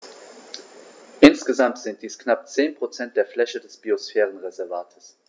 Insgesamt sind dies knapp 10 % der Fläche des Biosphärenreservates.